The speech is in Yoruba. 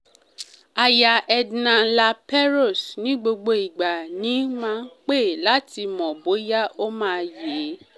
Aya Ednan-Laperouse ní “gbogbo ìgbà ni Nad ń pè láti mọ bóyá ó máa yèé.”